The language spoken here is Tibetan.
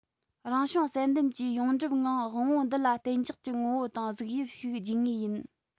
རང བྱུང བསལ འདེམས ཀྱིས ཡོངས འགྲུབ ངང དབང པོ འདི ལ བརྟན འཇགས ཀྱི ངོ བོ དང གཟུགས དབྱིབས ཤིག སྦྱིན ངེས ཡིན